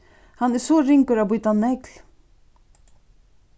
hann er so ringur at bíta negl